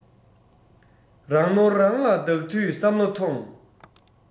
རང ནོར རང ལ བདག དུས བསམ བློ ཐོངས